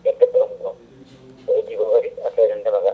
nden toɓɓere ko noon ko heddi ko kadi ko affaire ndeema ka